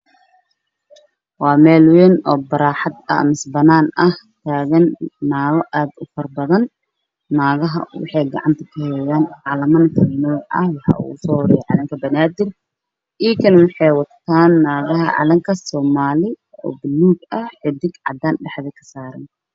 Waa banaan waxaa iskugu imaadeen naga waxa ay wataan calanka banaadir meel banaan ay tuuran yihiin